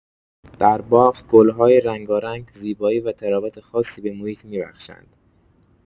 در باغ، گل‌های رنگارنگ، زیبایی و طراوت خاصی به محیط می‌بخشند.